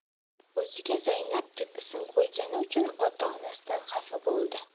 o'ziga zaynab deb ism qo'ygani uchun ota onasidan xafa bo'ldi